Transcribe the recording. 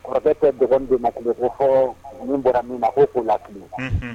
Kɔrɔ tɛ dɔgɔni den na kilen ko fɔɔ min bɔra min na k'o k'o la kilen unhun